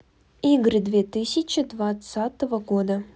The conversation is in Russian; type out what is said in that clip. игры две тысячи двадцатого года